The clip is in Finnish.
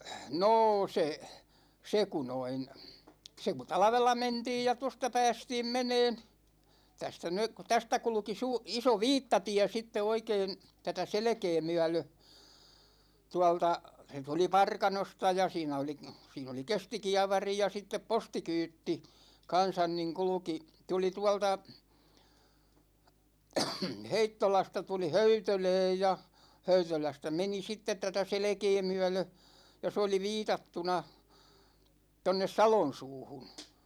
no se se kun noin se kun talvella mentiin ja tuosta päästiin menemään tästä nyt kun tästä kulki - iso viittatie sitten oikein tätä selkää myöden tuolta se tuli Parkanosta ja siinä oli siinä oli kestikievari ja sitten postikyyti kanssa niin kulki tuli tuolta Heittolasta tuli Höytölään ja Höytölästä meni sitten tätä selkää myöden ja se oli viitattuna tuonne Salonsuuhun